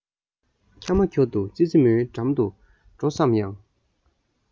ཁྱར མ ཁྱོར དུ ཙི ཙི མོའི འགྲམ དུ འགྲོ བསམ ཡང